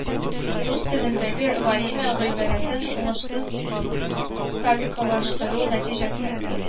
Рус телендәге «во имя» гыйбарәсен уңышсыз калькалаштыру нәтиҗәсе